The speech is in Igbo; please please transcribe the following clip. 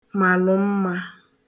màlụ̀ mmā